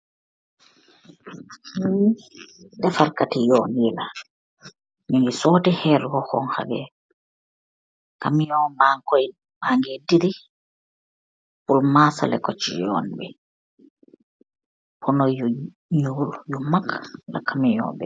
Li defal katex yonni laah, nu keeh soteeh heer yu honha, gamiyon bakeh tedeh pur masex lekoh si yonbi, ponoh yu null yu mak la gamiyon b em.